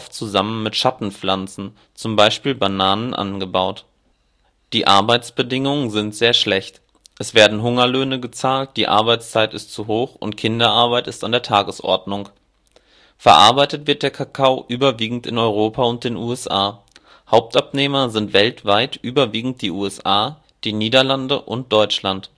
zusammen mit Schattenpflanzen (Kakaomutter), zum Beispiel Bananen, angebaut. Die Arbeitsbedingungen sind sehr schlecht: Es werden Hungerlöhne gezahlt, die Arbeitszeit ist zu hoch und Kinderarbeit ist an der Tagesordnung. Verarbeitet wird der Kakao überwiegend in Europa und den USA. Hauptabnehmer sind weltweit überwiegend die USA, die Niederlande und Deutschland